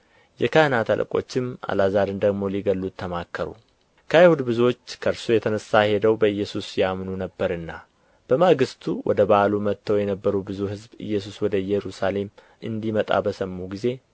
የካህናት አለቆችም አልዓዛርን ደግሞ ሊገድሉት ተማከሩ ከአይሁድ ብዙዎች ከእርሱ የተነሣ ሄደው በኢየሱስ ያምኑ ነበርና በማግሥቱ ወደ በዓሉ መጥተው የነበሩ ብዙ ሕዝብ ኢየሱስ ወደ ኢየሩሳሌም እንዲመጣ በሰሙ ጊዜ